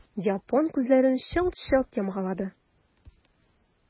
Япон күзләрен челт-челт йомгалады.